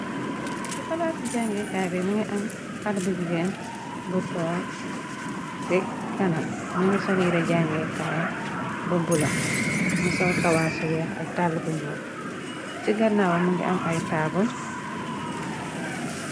Ci palaas ci jangeekaay bi mëngi am àlb-jigéen bu toor ci kana. Mëngi solire jangekaayam bu bula. Më sol kawa ci weex ak dàll bu ñoo ci garnawa mëngi am ay taabul.